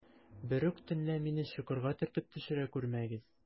Берүк төнлә мине чокырга төртеп төшерә күрмәгез.